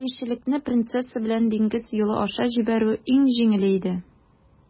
Илчелекне принцесса белән диңгез юлы аша җибәрү иң җиңеле иде.